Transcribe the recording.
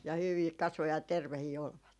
ja hyvin kasvoi ja terveitä olivat